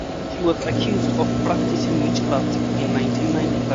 She was accused of practicing witchcraft in 1995.